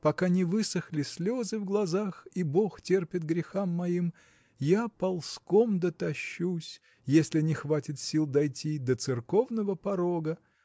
пока не высохли слезы в глазах и бог терпит грехам моим я ползком дотащусь если не хватит сил дойти до церковного порога